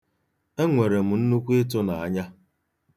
Enwere m nnukwu ịtụnaanya.